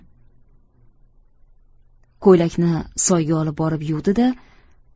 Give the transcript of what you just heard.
ko'ylakni soyga olib borib yuvdi da